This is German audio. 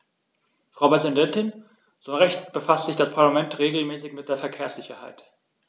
Frau Präsidentin, zu Recht befasst sich das Parlament regelmäßig mit der Verkehrssicherheit.